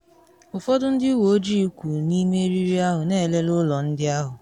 Ụfọdụ ndị uwe ojii kwụ n’ime eriri ahụ na elele ụlọ ndị ahụ.